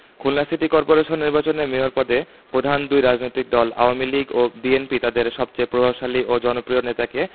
Khulna city corporation নির্বাচনে mayor পদে প্রধান দুই রাজনৈতিক দল আওয়ামী লীগ ও বিএনপি তাদের সবচেয়ে প্রভাবশালী ও জনপ্রিয় নেতাকে